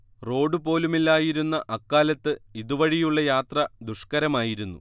road പോലുമില്ലായിരുന്ന അക്കാലത്ത് ഇതുവഴിയുള്ള യാത്ര ദുഷ്കരമായിരുന്നു